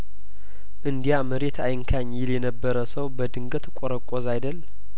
እንዲያ መሬት አይንካኝ ይል የነበረ ሰው በድንገት ቆረቆዘ አይደል